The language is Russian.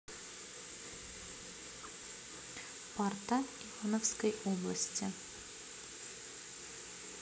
парта ивановской области